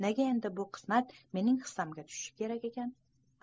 nega endi bu qismat mening hissamga tushishi kerak ekan